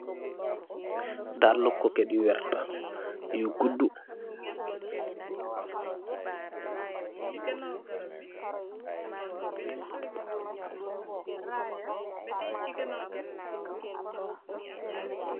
Dalli kóket yu werta yu gudu.